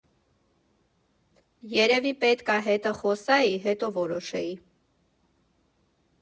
֊ Երևի պետք ա հետը խոսայի, հետո որոշեի…